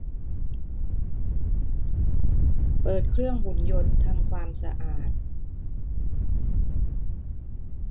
เปิดเครื่องหุ่นยนต์ทำความสะอาด